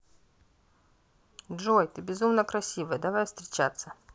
джой ты безумно красивая давай встречаться